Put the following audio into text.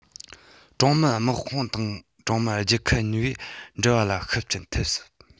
ཀྲུང མི དམག དཔུང དང ཀྲུང མི རྒྱལ ཁབ གཉིས པོའི འབྲེལ བ ལ ཤུགས རྐྱེན ཐེབས སྲིད